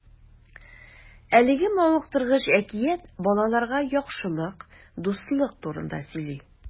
Әлеге мавыктыргыч әкият балаларга яхшылык, дуслык турында сөйли.